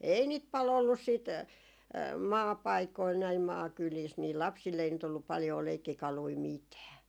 ei niitä paljon ollut sitten maapaikoilla näin maakylissä niin lapsilla ei nyt ollut paljoa leikkikaluja mitään